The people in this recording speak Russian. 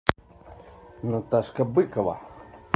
наташка быкова